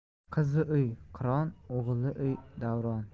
qizli uy qiron o'g'illi uy davron